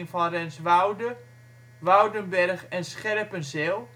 van Renswoude, Woudenberg en Scherpenzeel